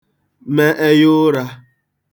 me ẹyaụrā